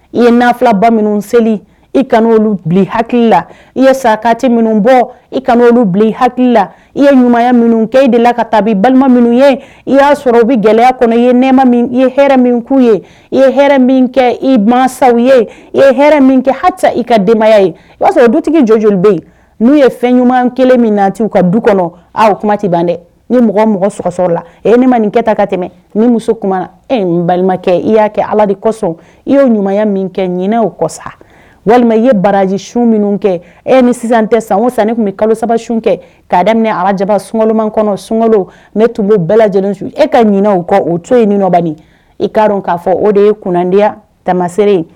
I ye na fila ba minnu seli i kan n olu bi ha la i ye sati minnu bɔ i ka oluolu bila ha la i ye ɲumanya minnu kɛ de la ka taa balima minnu ye i y'a sɔrɔ i bɛ gɛlɛya kɔnɔ i ye nɛma ye h min k'u ye i ye h min kɛ i masasaw ye i ye h min kɛ ha i ka dɛmɛbayaya ye o'a sɔrɔ dutigi jɔj bɛ yen n'u ye fɛn ɲuman kelen min natu u ka du kɔnɔ kuma tɛ ban dɛ ni mɔgɔ mɔgɔkasɔ la e ye ne ma nin kɛta ka tɛmɛ ni musoumana e balimakɛ i y'a kɛ ala de kosɔn i y'o ɲumanya min kɛ ɲw ko sa walima i ye baraji sun minnu kɛ e ni sisan tɛ san o san ne tun bɛ kalo saba sun kɛ kaa daminɛ alaba sunkaloma kɔnɔ sunkalo ne tun bɛ bɛɛ lajɛlen su e ka ɲinw kɔ o cogo in ni i kaa dɔn k'a fɔ o de ye kundiya tamasere ye